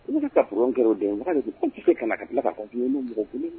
N se ka sɔrɔ kɛ dɛmɛ makan de tɛ se kana ka bila' fɔ diɲɛ mɔgɔ kunnafoni